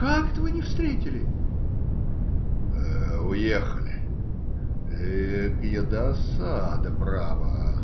Как это вы не встретили? - Уехали? Экая досада, право!